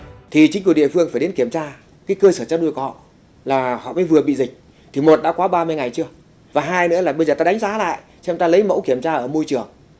thì chính quyền địa phương phải đến kiểm tra cái cơ sở chăn nuôi của họ là họ mới vừa bị dịch thì một đã quá ba mươi ngày chưa và hai nữa là bây giờ ta đánh giá lại xem ta lấy mẫu kiểm tra ở môi trường